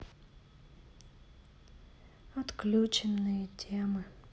отключенные темы